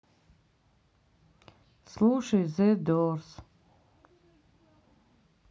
слушай зе дорс